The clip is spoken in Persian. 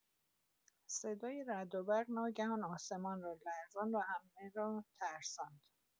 صدای رعد و برق ناگهان آسمان را لرزاند و همه را ترساند.